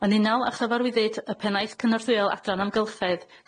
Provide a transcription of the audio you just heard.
Yn unol a chyfarwyddyd y pennaeth cynorthwyol adran amgylchedd